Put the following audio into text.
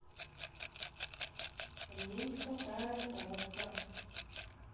а мне не хватает okko